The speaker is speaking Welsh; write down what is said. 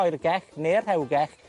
oergell ne'r rhewgell,